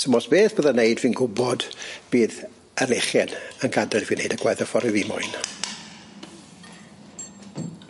Sdim ots beth bydda'n neud, fi'n gwbod bydd y lechen yn gad'el i fi neud y gwaith y ffor 'yf fi moyn.